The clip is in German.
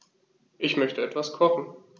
Ich möchte etwas kochen.